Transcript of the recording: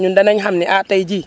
ñun danañ xam ne ah tey jii